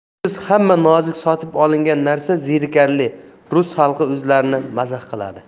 pulsiz hamma nozik sotib olingan narsa zerikarli rus xalqi o'zlarini mazax qiladi